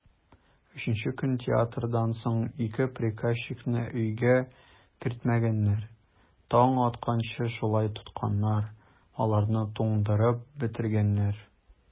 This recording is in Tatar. Өченче көн театрдан соң ике приказчикны өйгә кертмәгәннәр, таң атканчы шулай тотканнар, аларны туңдырып бетергәннәр.